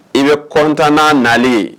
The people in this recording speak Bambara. I bɛ kɔntan n'a nalen ye